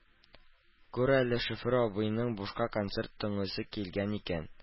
Күр әле, шофер абыйның бушка концерт тыңлыйсы килгән икән